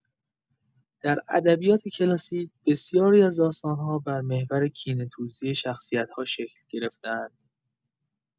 در ادبیات کلاسیک، بسیاری از داستان‌ها بر محور کینه‌توزی شخصیت‌ها شکل گرفته‌اند.